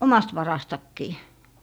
omasta varastakin